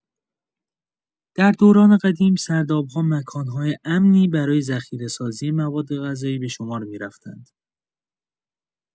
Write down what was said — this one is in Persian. در دوران قدیم، سرداب‌ها مکان‌های امنی برای ذخیره‌سازی موادغذایی به شمار می‌رفتند.